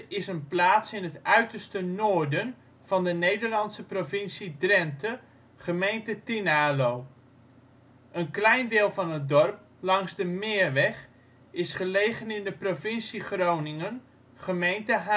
is een plaats in het uiterste noorden van de Nederlandse provincie Drenthe, gemeente Tynaarlo. Een klein deel van het dorp, langs de Meerweg, is gelegen in de provincie Groningen, gemeente